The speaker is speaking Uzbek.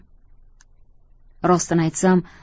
rostini aytsam